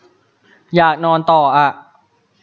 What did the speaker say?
อยากนอนต่ออะ